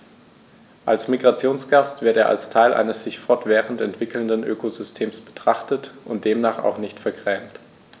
Als Migrationsgast wird er als Teil eines sich fortwährend entwickelnden Ökosystems betrachtet und demnach auch nicht vergrämt.